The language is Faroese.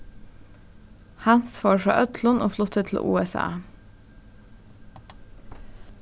hans fór frá øllum og flutti til usa